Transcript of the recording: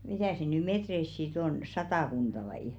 mitä se nyt metreissä sitten on satakunta vai